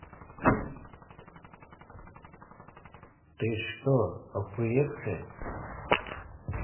ты что охуевше